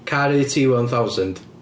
Caru T one thousand